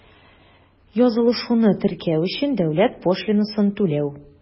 Язылышуны теркәү өчен дәүләт пошлинасын түләү.